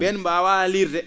?een mbaawaa liirde